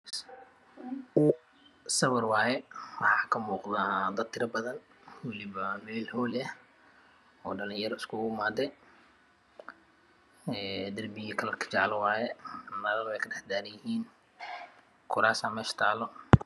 Sawir waaye waxaa kamuuqdna dad tira badan wilbana wa meel hool ah oo dhalanyaro iskugu imaday darbiga kalarkiisa jaale weye nalalna ay ka dhex daaranyihiin kuraas ayaa meesha taalo